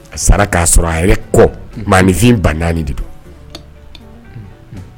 A sara k'a sɔrɔ a yɛrɛ kɔ maaanifin ba naani de don